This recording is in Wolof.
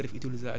indirecte